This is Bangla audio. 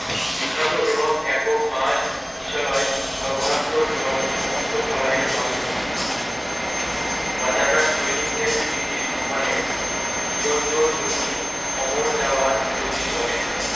বিখ্যাত এবং একক বাঁশ কিশলয় লবণাক্ত জল সমস্ত খাবারে পাবে তুমি অজানা সৈনিকদের স্মৃতির সন্মানে চিরন্তন জ্যোতি অমর জাওয়ান জ্যোতি জ্বলে